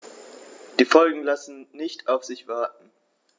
Die Folgen lassen nicht auf sich warten.